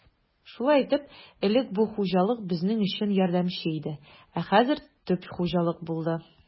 Шулай итеп, элек бу хуҗалык безнең өчен ярдәмче иде, ә хәзер төп хуҗалык булды.